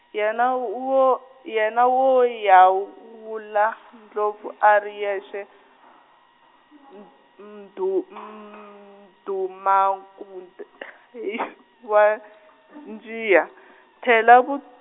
yena wo, yena wo ya w- wula, ndlopfu a ri yexe, n- nndu- Mdumakude ey- wa njiya, phela vu.